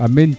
amiin Thiaw